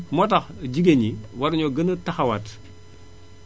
moo tax jigéen ñi war nañoo gën a taxawaat